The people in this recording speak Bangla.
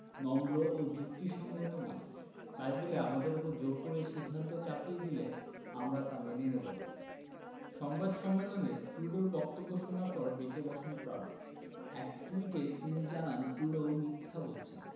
নম্র ও যুক্তিসংগত মানুষ তাই বলে আমাদের ওপর জোর করে সিদ্ধান্ত চাপিয়ে দিলে আমরা তা মেনে নেব না সংবাদ সম্মেলনে ট্রুডোর বক্তব্য শোনার পর বেঁকে বসেন ট্রাম্প এক টুইটে তিনি জানান ট্রুডো মিথ্যা বলেছেন